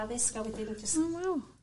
...addysg a wedyn jyst... O waw.